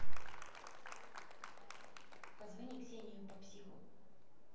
позвони ксению по психу